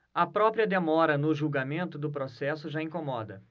a própria demora no julgamento do processo já incomoda